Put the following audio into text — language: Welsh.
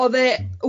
Oedd e,